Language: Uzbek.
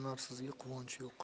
hunarsizga quvonch yo'q